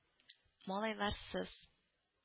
Малайларсыз